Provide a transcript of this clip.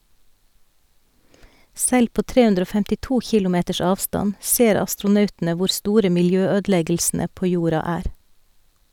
Selv på trehundreogfemtito kilometers avstand ser astronautene hvor store miljøødeleggelsene på jorda er.